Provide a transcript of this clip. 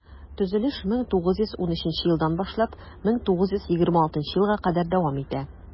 Төзелеш 1913 елдан башлап 1926 елга кадәр дәвам итә.